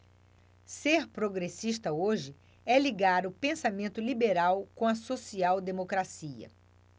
ser progressista hoje é ligar o pensamento liberal com a social democracia